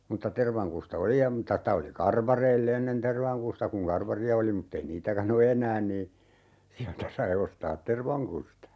mutta tervankusta oli ja mutta sitä oli karvareilla ennen tervankusta kun karvaria oli mutta ei niitäkään ole enää niin sieltä sai ostaa tervankusta